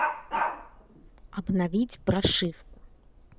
обновить прошивку